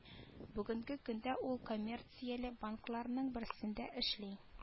Бүгенге көндә ул коммерцияле банкларның берсендә эшли